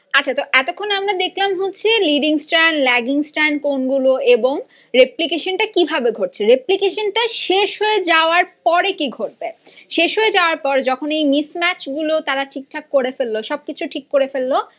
আচ্ছা তো এতক্ষন আমরা দেখলাম হচ্ছে লিডিং স্ট্র্যান্ড ল্যাগিং স্ট্র্যান্ড কোনগুলো এবং রেপ্লিকেশন টা কিভাবে ঘটছে রেপ্লিকেশন টা শেষ হয়ে যাওয়ার পর কি ঘটবেশেষ হয়ে যাওয়ার পর যখন এই মিসম্যাচ গুল ঠিক ঠাক করে ফেলল সবকিছু ঠিক ঠাক করে ফেলল